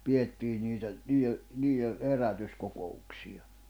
pidettiin niitä niille niille herätyskokouksia